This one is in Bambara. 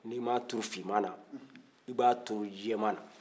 ni m'a turu finman na i b'a turu jɛman na